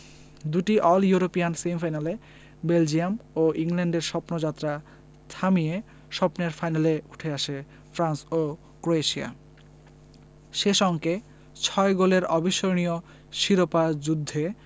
দুটি all European সেমিফাইনালে Belgium ও ইংল্যান্ডের স্বপ্নযাত্রা থামিয়ে স্বপ্নের ফাইনালে উঠে আসে ফ্রান্স ও ক্রোয়েশিয়া শেষ অঙ্কে ছয় গোলের অবিস্মরণীয় শিরোপা যুদ্ধে